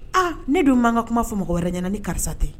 Aa ne dun ma nka kuma fɔ mɔgɔ wɛrɛ ye ni karisa tɛ.